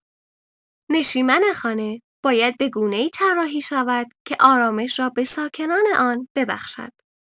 نشیمن خانه باید به گونه‌ای طراحی شود که آرامش را به ساکنان آن ببخشد.